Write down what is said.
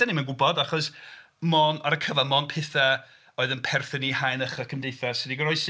Dan ni'm yn gwybod, achos mon- ar y cyfan mond petha oedd yn perthyn i haen ucha cymdeithas sy 'di goroesi.